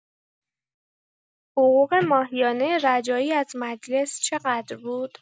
حقوق ماهیانه رجایی از مجلس چقدر بود؟